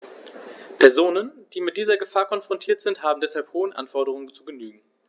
Personen, die mit dieser Gefahr konfrontiert sind, haben deshalb hohen Anforderungen zu genügen.